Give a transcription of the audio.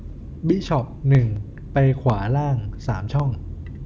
บิชอปหนึ่งไปขวาล่างสามช่อง